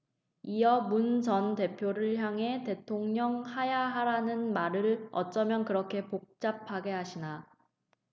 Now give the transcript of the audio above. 이어 문 전 대표를 향해 대통령 하야하라는 말을 어쩌면 그렇게 복잡하게 하시나